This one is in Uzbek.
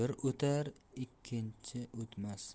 o'tar ikkinchi o'tmas